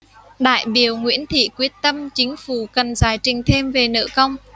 đại biểu nguyễn thị quyết tâm chính phủ cần giải trình thêm về nợ công